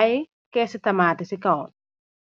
ay keesi tamate ci kaw.